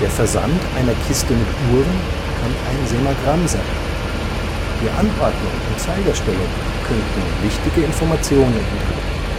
Versand einer Kiste mit Uhren kann ein Semagramm sein. Die Anordnung und Zeigerstellung könnten wichtige Informationen enthalten